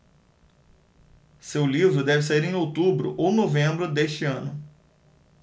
seu livro deve sair em outubro ou novembro deste ano